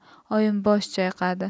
oyim bosh chayqadi